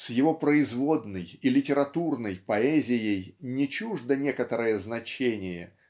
с его производной и литературной поэзией не чуждо некоторое значение